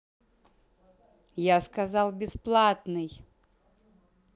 я сказал бесплатный